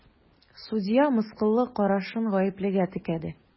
Судья мыскыллы карашын гаеплегә текәде.